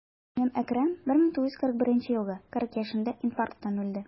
Энем Әкрам, 1941 елгы, 40 яшендә инфаркттан үлде.